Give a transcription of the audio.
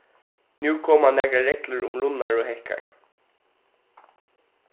nú koma nakrar reglur um runnar ella hekkar